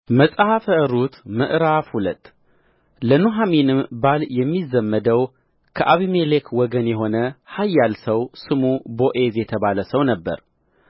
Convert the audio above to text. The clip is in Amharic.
መጽሐፈ ሩት ምዕራፍ ሁለት ለኑኃሚንም ባል የሚዘመደው ከአቤሜሌክ ወገን የሆነ ኃያል ሰው ስሙ ቦዔዝ የተባለ ሰው ነበረ